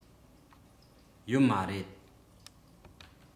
ཡོད མ རེད